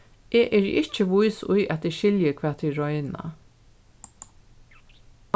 eg eri ikki vís í at eg skilji hvat tit royna